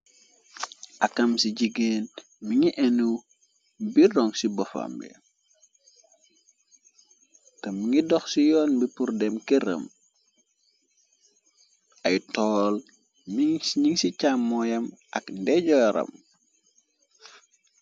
Akam ci jigéen mi ngi inu bir rong ci bofambe té mi ngi dox ci yoon bi pur dém kérem ay tool ning ci càm moyam ak ndéejoram.